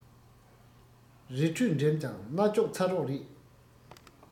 རི ཁྲོད འགྲིམས ཀྱང རྣ ཅོག ཚ རོགས རེད